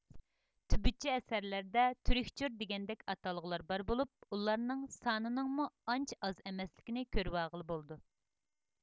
تۈبۈتچە ئەسەرلەردە تۈركچور دېگەندەك ئاتالغۇلار بار بولۇپ ئۇلارنىڭ سانىنىڭمۇ ئانچە ئاز ئەمەسلىكىنى كۆرۋالغىلى بولىدۇ